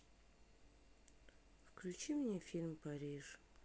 включи мне фильм париж